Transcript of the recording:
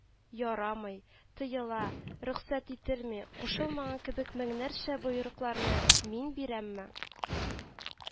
“ярамый”, “тыела”, “рөхсәт ителми”, “кушылмаган” кебек меңнәрчә боерыкларны мин бирәмме